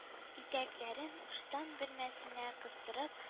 Итәкләрен ыштан бөрмәсенә кыстырып